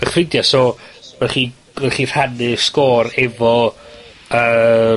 'ych ffrindia, so, ma' rai' chi, ma' rai' chi rhannu sgôr efo yr